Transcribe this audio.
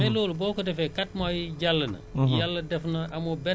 nda daal di koy jàppale baykat Louga yi mais normalement trois mois la juste